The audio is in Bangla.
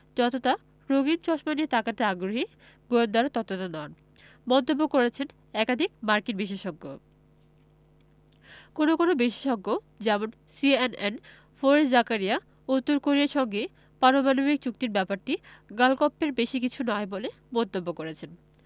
যতটা রঙিন চশমা দিয়ে তাকাতে আগ্রহী গোয়েন্দারা ততটা নন মন্তব্য করেছেন একাধিক মার্কিন বিশেষজ্ঞ কোনো কোনো বিশেষজ্ঞ যেমন সিএনএন ফরিদ জাকারিয়া উত্তর কোরিয়ার সঙ্গে পারমাণবিক চুক্তির ব্যাপারটি গালগপ্পের বেশি কিছু নয় বলে মন্তব্য করেছেন